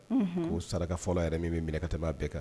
Unhun ko saraka fɔlɔ yɛrɛ min bɛ minɛ ka tɛmɛ a bɛɛ kan.